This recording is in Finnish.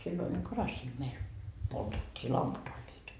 silloin oli karassia meillä poltettiin lamput olivat